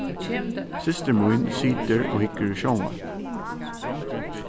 systir mín situr og hyggur í sjónvarp